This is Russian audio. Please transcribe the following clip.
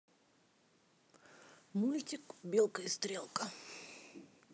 мультик белка и стрелка